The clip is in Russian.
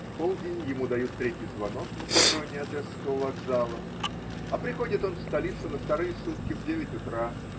В полдень ему дают третий звонок на перроне одесского вокзала, а приходит он в столицу на вторые сутки в девять утра